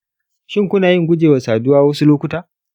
shin kuna yin gujewa saduwa wasu lokuta?